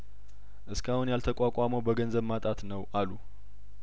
እስካሁን ያልተቋቋመው በገንዘብ ማጣት ነው አሉ